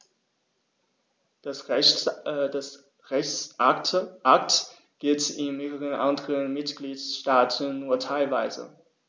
Der Rechtsakt gilt in mehreren anderen Mitgliedstaaten nur teilweise.